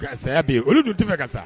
Ka tigɛ ka saya bɛ yen, olu dun tɛ fɛ ka sa